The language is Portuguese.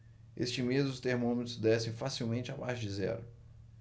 este mês os termômetros descem facilmente abaixo de zero